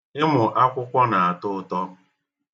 Ịmụ akwụkwọ na-atọ ụtọ.